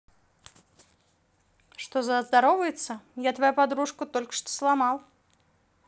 что здоровается я твоя подружка только что сломал